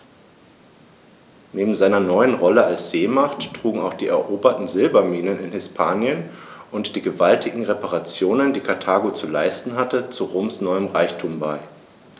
Neben seiner neuen Rolle als Seemacht trugen auch die eroberten Silberminen in Hispanien und die gewaltigen Reparationen, die Karthago zu leisten hatte, zu Roms neuem Reichtum bei.